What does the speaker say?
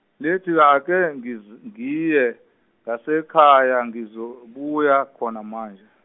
lethiwe ake ngiz- ngiye ngasekhaya ngizobuya khona manje.